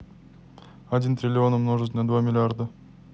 один триллион умножить на два миллиарда